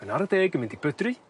yn ara deg yn mynd i bydru